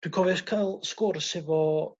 dwi'n cofio ca'l sgwrs efo